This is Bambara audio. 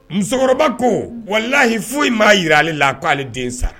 Musokɔrɔba ko wala' fo in maa jira ale la k koale den sa